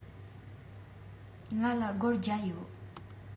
ང ལ སྒོར བརྒྱ ཡོད